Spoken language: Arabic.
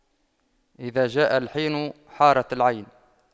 إذا جاء الحين حارت العين